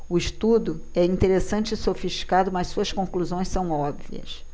o estudo é interessante e sofisticado mas suas conclusões são óbvias